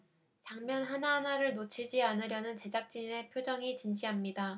장면 하나하나를 놓치지 않으려는 제작진의 표정이 진지합니다